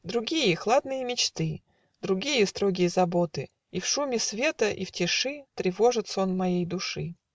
Другие, хладные мечты, Другие, строгие заботы И в шуме света и в тиши Тревожат сон моей души.